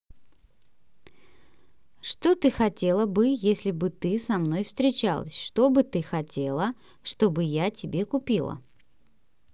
что ты хотела бы если бы ты со мной встречалась чтобы ты хотела чтобы я тебе купила